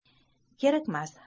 kerak emas